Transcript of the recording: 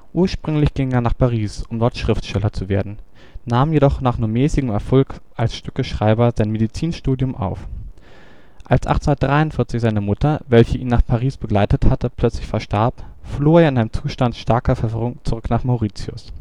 Ursprünglich ging er nach Paris, um dort Schriftsteller zu werden, nahm jedoch nach nur mäßigem Erfolg als Stückeschreiber sein Medizinstudium auf. Als 1843 seine Mutter, welche ihn nach Paris begleitet hatte, plötzlich verstarb, floh er in einem Zustand starker Verwirrung zurück nach Mauritius